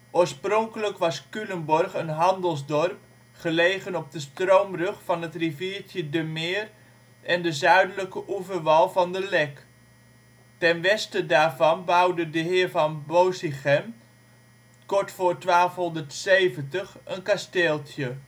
Oorspronkelijk was Culemborg een handelsdorp, gelegen op de stroomrug van het riviertje de Meer en de zuidelijke oeverwal van de Lek. Ten westen daarvan bouwde de Heer van Bosinchem (Beusichem) kort voor 1270 een kasteeltje